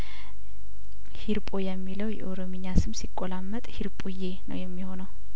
ሂርጶ የሚለው የኦሮምኛ ስም ሲቆላ መጥ ሂርጱዬ ነው የሚሆነው